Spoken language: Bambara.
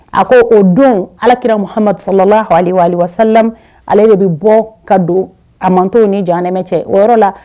A ko k'o don alakira Mahamadu sala lahu aleyihi wa salama de bɛ bɔ ka don a manto ni Jahanɛmɛ cɛ o yɔrɔ la